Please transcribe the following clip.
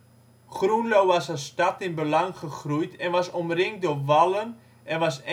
Groenlo was als stad in belang gegroeid en was omringd door wallen en was